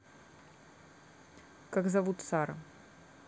как зовут сара